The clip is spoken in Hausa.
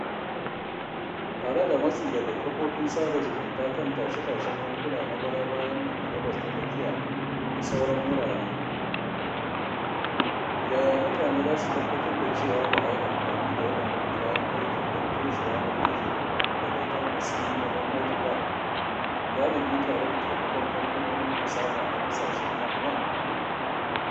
Tare da matsi daga kafofin sada zumunta kan tashe-tashen hankula na baya-bayan nan a Gabas ta Tsakiya da sauran wurare, yaya mutane za su tabbatar da cewa ba a yi amfani da waɗannan kayan aikin don toshe yanar gizo da leƙen asiri na gwamnati ba (galibi tare da taimakon kamfanonin fasaha na ƙasashen Yamma)?